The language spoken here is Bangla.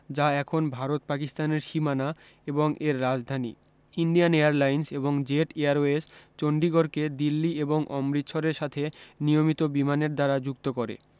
যা এখন ভারত পাকিস্তানের সীমানা এবং এর রাজধানী ইন্ডিয়ান এয়ারলাইন্স এবং জেট এয়ারওয়েজ চন্ডীগড়কে দিল্লী এবং অমৃতসরের সাথে নিয়মিত বিমানের দ্বারা যুক্ত করে